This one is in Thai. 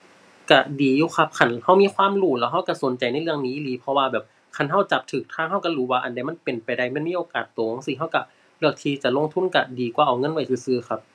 ก็ดีอยู่ครับ คันก็มีความรู้แล้วก็ก็สนใจในเรื่องนี้อีหลี เพราะว่าแบบคันก็จับก็ทางก็ก็รู้ว่าอันใดมันเป็นไปได้ มันมีโอกาสโตจั่งซี้ ก็ก็เลือกที่จะลงทุนก็ดีกว่าเอาเงินไว้ซื่อซื่อครับ